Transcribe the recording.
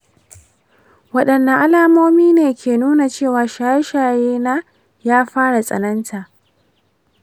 wadanne alamomi ne ke nuna cewa shaye-shaye na ya fara tsananta?